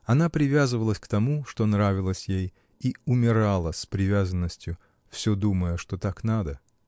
Она привязывалась к тому, что нравилось ей, и умирала с привязанностью, всё думая, что так надо.